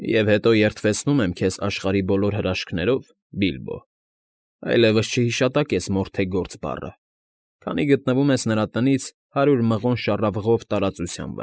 Եվ հետո երդվեցնում եմ քեզ աշխարհի բոլոր հրաշքներով, Բիլբո, այլևս չհիշատակես «մորթագործ» բառը, քանի գտնվում ես նրա տնից հարյուր մղոն շառավղով տարածության։